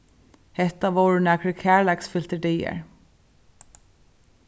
hetta vóru nakrir kærleiksfyltir dagar